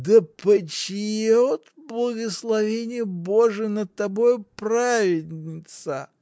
— Да почиет благословение Божие над тобою, праведница!